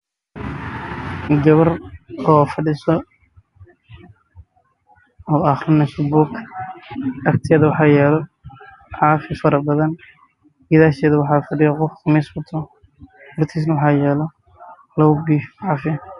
Halkan waxaa iiga muuqda gabar warqad wayn haysato oo akhrineyso